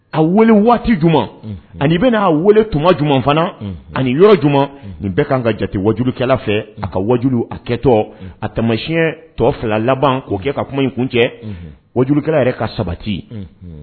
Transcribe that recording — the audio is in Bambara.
A wele waati Jumɛn, unhun, an'i bɛn'a wele tuma jumɛn fana, un, ani yɔrɔ jumɛn, nin bɛɛ ka kan ka jate wajulikɛla fɛ, a ka wajuli a kɛtɔ, a taamasiyɛn tɔ fila laban k'o kɛ ka kuma in kuncɛ wajulikɛla yɛrɛ ka sabati, unhun